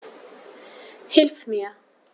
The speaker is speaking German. Hilf mir!